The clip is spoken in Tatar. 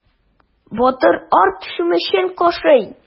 Батыр арт чүмечен кашый.